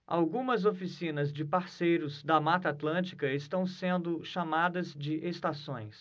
algumas oficinas de parceiros da mata atlântica estão sendo chamadas de estações